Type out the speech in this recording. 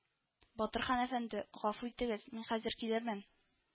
- батырхан әфәнде, гафу итегез, мин хәзер килермен